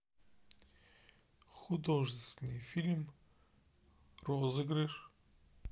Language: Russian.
художественный фильм розыгрыш